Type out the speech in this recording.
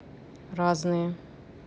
разные